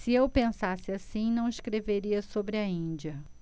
se eu pensasse assim não escreveria sobre a índia